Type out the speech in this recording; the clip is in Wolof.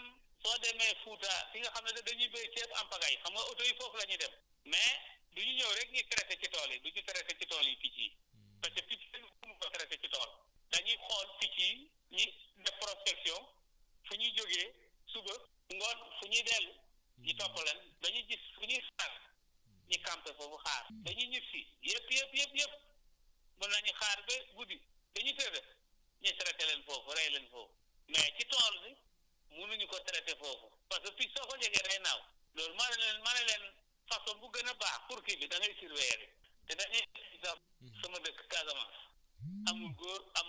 mooy fu ñuy fanaan lu ñuy ne dortoir même soo demee Fouta fi nga xam ne dañuy béy ceeb en pagaille xam nga oto yi foofu la ñuy dem mais du ñu ñëw rek di traiter ci tool yi du ñu traiter ci tool yi picc yi parce que picc kenn mënu ko traiter ci tool dañuy xool picc yi ñu def prospection su ñu jógee suba ngoon suñuy dellu ñu topp leen dañuy gis fu ñuy fanaan ñu camper foofu xaar dañuy ñib si yëpp yëpp yëpp yëpp mun nañu xaar ba guddi ba ñu tëdd ñu traiter leen foofu rey leen foofu mais ci tool bi munuñu ko traiter foofu parce que picc soo ko jegee day naaw loolu mane leen mane leen façon bu gën a baax pour kii bi da ngay surveiller rek te da ngay gis sax